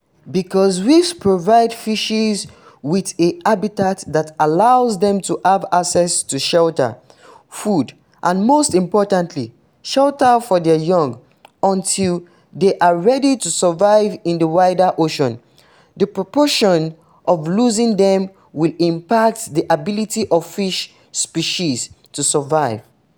Because reefs provide fishes with a habitat that allows them to have access to shelter, food and most importantly, shelter for their young until they are ready to survive in the wider ocean, the proposition of losing them will impact the ability of fish species to survive.